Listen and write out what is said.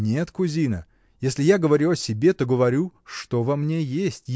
Нет, кузина, если я говорю о себе, то говорю, что во мне есть